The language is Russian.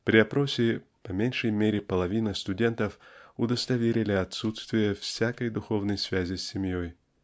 При опросе по меньшей мере половина студентов удостоверили отсутствие всякой духовной связи с семьей.